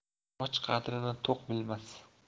och qadrini to'q bilmas